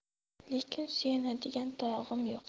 lekin suyanadigan tog'im yo'q